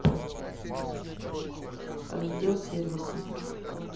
раздел сервиса